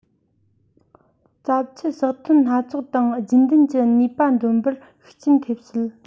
རྩབས རྒྱུ ཟགས ཐོན སྣ ཚོགས དང རྒྱུན ལྡན གྱིས ནུས པ འདོན པར ཤུགས རྐྱེན ཐེབས སྲིད